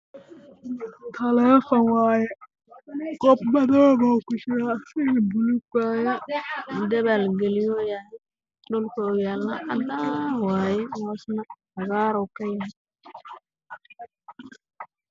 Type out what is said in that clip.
Waa taleefan midabkiis yahay caddaan galka madow